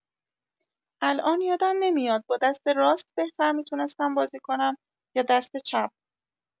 الان یادم نمیاد با دست راست بهتر می‌تونستم بازی کنم یا دست چپ!